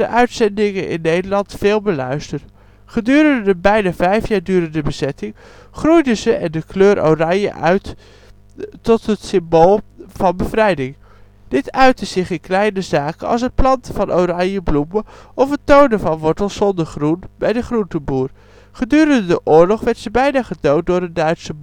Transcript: uitzendingen in Nederland veel beluisterd. Gedurende de bijna vijf jaar durende bezetting groeiden zij en de kleur oranje uit tot het symbool van bevrijding. Dit uitte zich in kleine zaken als het planten van oranje bloemen of het tonen van wortels zonder groen bij de groenteboer. Gedurende de oorlog werd zij bijna gedood door een Duitse bom